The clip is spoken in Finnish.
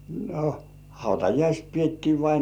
no hautajaiset pidettiin vainaja